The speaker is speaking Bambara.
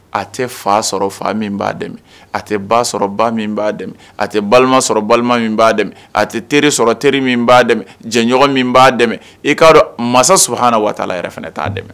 A tɛ fa sɔrɔ fa min b'a dɛ a tɛ ba sɔrɔ ba min b'a dɛmɛ a tɛ balima sɔrɔ balima min b'a a tɛ teri sɔrɔ teri min b'a dɛmɛ janɲɔgɔn min b'a dɛmɛ i'a dɔn mansa suha wa' la yɛrɛ fana'a dɛmɛ